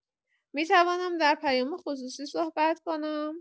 می‌توانم در پیام خصوصی صحبت کنم؟